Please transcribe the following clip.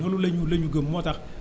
loolu la ñu la ñu gëm gëm moo tax